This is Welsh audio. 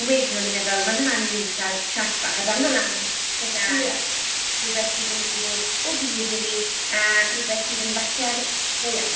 Ond wedyn o'n i'n meddwl man a man i ni jyst gael chat bach a dala lan gyda... ie. ...rywbeth sydd yn mynd i fod o fudd i ni, a rywbeth sydd yn fater go iawn.